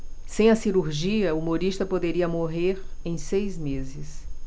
sem a cirurgia humorista poderia morrer em seis meses